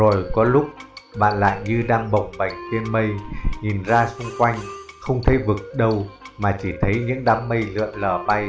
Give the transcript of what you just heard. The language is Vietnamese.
rồi có lúc bạn lại như đang bồng bềnh trên mây nhìn ra xung quanh không thấy vực đâu mà chỉ thấy những đám mây lượn lờ bay